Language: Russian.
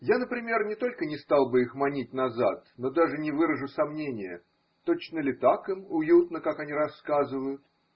Я, например, не только не стал бы их манить назад, но даже не выражу сомнения, точно ли так им уютно, как они рассказывают.